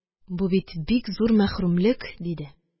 Бу бит бик зур мәхрүмлек диде